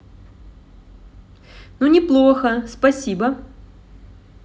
ну неплохо спасибо